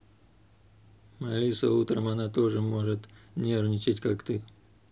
алиса утром она тоже может нервничать как ты